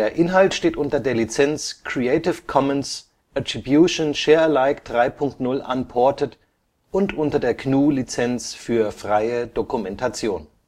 Inhalt steht unter der Lizenz Creative Commons Attribution Share Alike 3 Punkt 0 Unported und unter der GNU Lizenz für freie Dokumentation